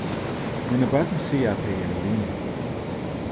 míni børn siga at tey eru lin